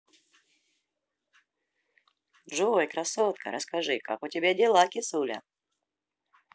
джой красотка расскажи как у тебя дела кисуля